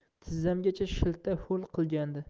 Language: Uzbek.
tizzamgacha shilta ho'l qilgandi